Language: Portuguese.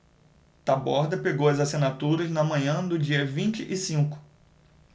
taborda pegou as assinaturas na manhã do dia vinte e cinco